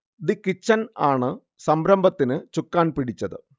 'the kitchen' ആണ് സംരംഭത്തിന് ചുക്കാൻ പിടിച്ചത്